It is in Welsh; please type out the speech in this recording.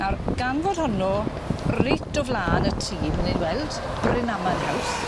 Nawr gan fod honno reit o flan y tŷ 'my ni myn' i weld Brynaman House.